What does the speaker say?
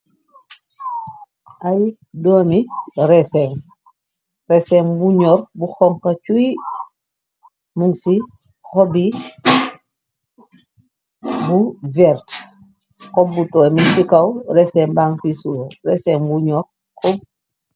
Ay ndomi reysen, reysen bu nyurr bu xonxo churr, mu ci xobi bu vert, xobi mu ci kaw reysen mangi ci suff, reysen mu nyurr churr.